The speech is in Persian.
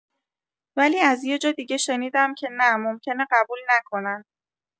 ولی از یه جا دیگه شنیدم که نه ممکنه قبول نکنن!